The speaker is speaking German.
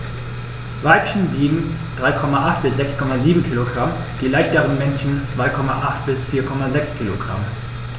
Weibchen wiegen 3,8 bis 6,7 kg, die leichteren Männchen 2,8 bis 4,6 kg.